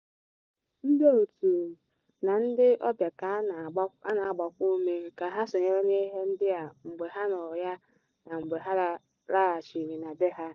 Ndị òtù na ndị ọbịa ka a na-agbakwa ume ka ha sonyere n'ihe ndị a, mgbe ha nọ ya na mgbe ha laghachiri na be ha.